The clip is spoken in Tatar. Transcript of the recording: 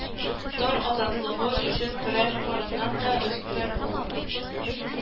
Тар азатлыгы өчен көрәш барыннан да өстен була